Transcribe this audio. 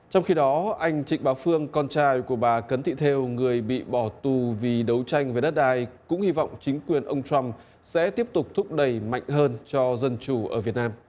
trong khi đó anh trịnh bá phương con trai của bà cấn thị thêu người bị bỏ tù vì đấu tranh về đất đai cũng hy vọng chính quyền ông trăm sẽ tiếp tục thúc đẩy mạnh hơn cho dân chủ ở việt nam